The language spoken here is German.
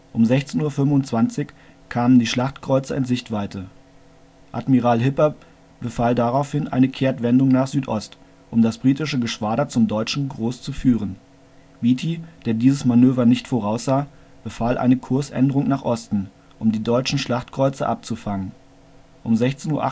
Um 16:25 Uhr kamen die Schlachtkreuzer in Sichtweite. Admiral Hipper befahl daraufhin eine Kehrtwendung nach Südost, um das britische Geschwader zum deutschen Gros zu führen. Beatty, der dieses Manöver nicht voraussah, befahl eine Kursänderung nach Osten, um die deutschen Schlachtkreuzer abzufangen. Um 16:48 Uhr